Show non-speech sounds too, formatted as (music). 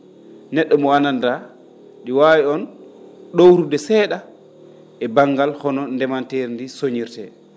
(noise) ne??o mbo anndan?a ?i waawi on ?owrude see?a e banngal hono ndemanteeri ndii soñirtee